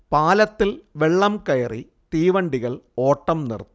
പാലത്തിൽ വെള്ളം കയറി തീവണ്ടികൾ ഓട്ടം നിർത്തി